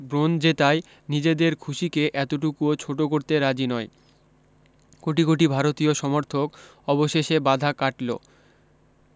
bronze জেতায় নিজেদের খুশিকে এতটুকুও ছোট করতে রাজি নয় কোটি কোটি ভারতীয় সমর্থক অবশেষে বাধা কাটল